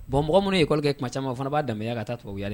Bon mɔgɔ minnu ye école kɛ tuma caman u fana b'a danbeya ka taa tubabuya de